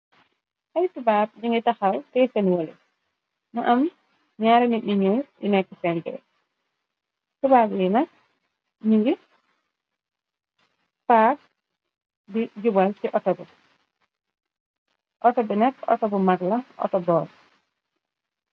Ayy tubaab jëngi taxaw tey sani wale nu am ñarr nitnñuyinekk senj tubaab yi nak ñi ngir paak di jubal ci nekk auto bu mag la autobor.